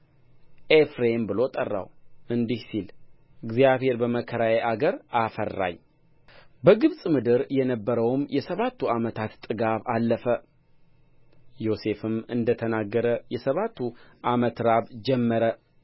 ኤፍሬም ብሎ ጠራው እንዲህ ሲል እግዚአብሔር በመከራዬ አገር አፈራኝ በግብፅ ምድር የነበረውም የሰባቱ ዓመት ጥጋብ አለፈ ዮሴፍም እንደ ተናገረ የሰባቱ ዓመት ራብ ጀመረ